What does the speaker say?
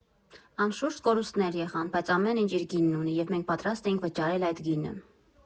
«Անշուշտ կորուստներ եղան, բայց ամեն ինչ իր գինն ունի և մենք պատրաստ էինք վճարել այդ գինը։